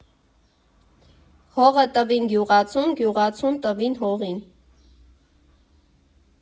«Հողը տվին գյուղացուն, գյուղացուն տվին հողին»։